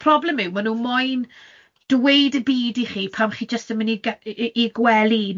Problem yw, maen nhw moyn dweud y byd i chi pan chi jyst yn mynd i g- i gwely...